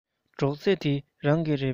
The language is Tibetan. སྒྲོག རྩེ འདི རང གི རེད པས